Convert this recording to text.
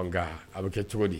Nka a bɛ kɛ cogo di